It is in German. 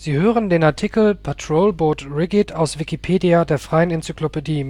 hören den Artikel Patrol Boat River, aus Wikipedia, der freien Enzyklopädie